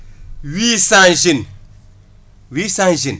huit cent jeunes huit cent jeunes